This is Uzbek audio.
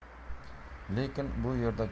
lekin bu yerda